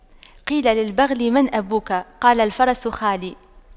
قيل للبغل من أبوك قال الفرس خالي